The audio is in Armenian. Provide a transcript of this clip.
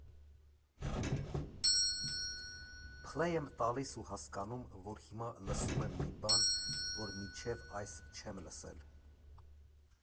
«Փլեյ» եմ տալիս ու հասկանում, որ հիմա լսում եմ մի բան, որ մինչև այս չեմ լսել։